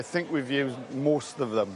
I think we've used most of them.